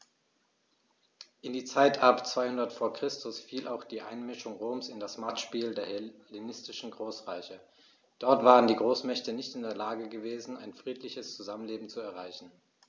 In die Zeit ab 200 v. Chr. fiel auch die Einmischung Roms in das Machtspiel der hellenistischen Großreiche: Dort waren die Großmächte nicht in der Lage gewesen, ein friedliches Zusammenleben zu erreichen.